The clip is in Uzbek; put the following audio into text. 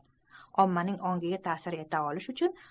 ommaning ongiga ta'sir eta olish uchun